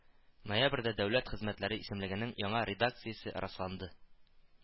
Ноябрьдә дәүләт хезмәтләре исемлегенең яңа редакциясе расланды